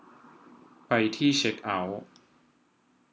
ไปที่เช็คเอ้าท์